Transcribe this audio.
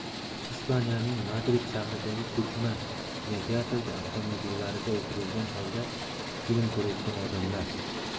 ispaniyaning madrid shahridagi ko'chma kinoteatrda avtomobillarida o'tirgan holda film ko'rayotgan odamlar